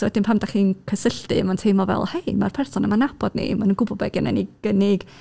A wedyn pan dych chi'n cysylltu, mae'n teimlo fel "Hei, ma'r person yma'n nabod ni. Ma' nhw'n gwbod be gennyn ni i gynnig.